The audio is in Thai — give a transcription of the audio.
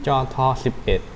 จอทอสิบเอ็ด